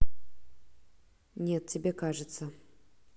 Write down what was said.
нет тебе кажется